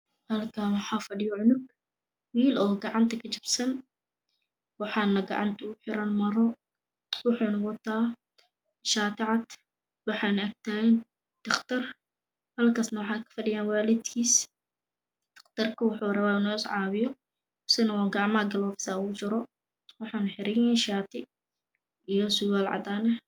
Halkaan waxaa fadhiyo cunug. wiil oo gacanta ka jabsan waxaana gacanta ooga xeran maro wuxuuna wataa shaati cad waxaana agtaadan taqtar halkaasna waxaa ka fadhiyaan waa libkiis. taqtarka wuxuu rabaa inuus caabiyo isina gacmaha daroofisa ooga sido wuxuuna xeran yahay shaati iyo surwaal cadaan ah.